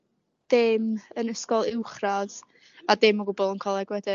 dim yn ysgol uwchradd a dim o gwbl yn coleg wedyn